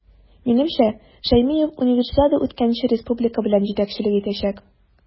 Минемчә, Шәймиев Универсиада үткәнче республика белән җитәкчелек итәчәк.